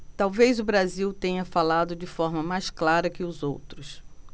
talvez o brasil tenha falado de forma mais clara que os outros